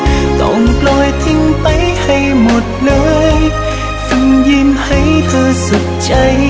đành phải buông hết tất cả thôi nụ cười mỉm sau bờ môi